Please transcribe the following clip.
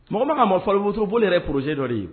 Mɔgɔ man kan ka ma faliwotoroboli yɛrɛ projet dɔ de ye!